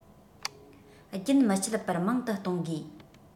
རྒྱུན མི ཆད པར མང དུ གཏོང དགོས